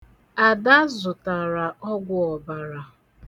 Ada zụtara ọgwụ ọbara.